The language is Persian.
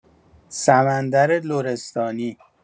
سمندر لرستانی